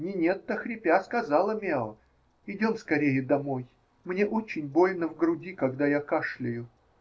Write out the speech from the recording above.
Нинетта, хрипя, сказала Мео: "Идем скорее домой, мне очень больно в груди, когда я кашляю".